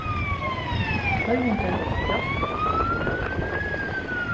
hvørjum tørvar tær hjálp til